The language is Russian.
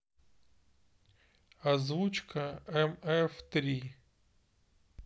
озвучка мф три